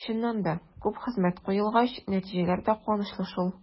Чыннан да, күп хезмәт куелгач, нәтиҗәләр дә куанычлы шул.